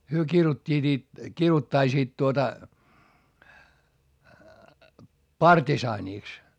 he kiiruhtivat - kiiruhtaisivat tuota partisaaniksi